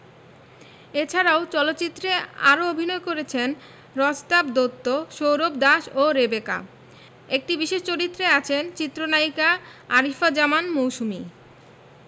এছাড়াও চলচ্চিত্রে আরও অভিনয় করেছেন রজতাভ দত্ত সৌরভ দাস ও রেবেকা একটি বিশেষ চরিত্রে আছেন চিত্রনায়িকা আরিফা জামান মৌসুমী